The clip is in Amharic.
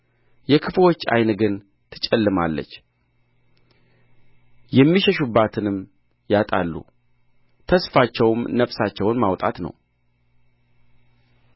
የክፉዎች ዓይን ግን ትጨልማለች የሚሸሹበትንም ያጣሉ ተስፋቸውም ነፍሳቸውን ማውጣት ነው